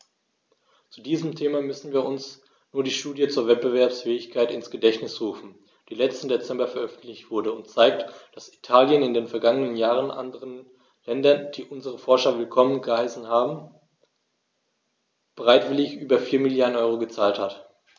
Zu diesem Thema müssen wir uns nur die Studie zur Wettbewerbsfähigkeit ins Gedächtnis rufen, die letzten Dezember veröffentlicht wurde und zeigt, dass Italien in den vergangenen Jahren anderen Ländern, die unsere Forscher willkommen geheißen haben, bereitwillig über 4 Mrd. EUR gezahlt hat.